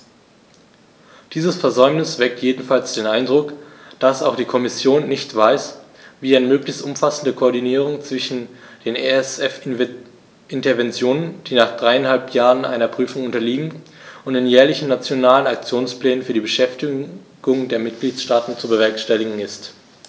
Dieses Versäumnis weckt jedenfalls den Eindruck, dass auch die Kommission nicht weiß, wie eine möglichst umfassende Koordinierung zwischen den ESF-Interventionen, die nach dreieinhalb Jahren einer Prüfung unterliegen, und den jährlichen Nationalen Aktionsplänen für die Beschäftigung der Mitgliedstaaten zu bewerkstelligen ist.